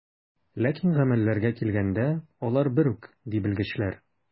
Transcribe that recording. Ләкин гамәлләргә килгәндә, алар бер үк, ди белгечләр.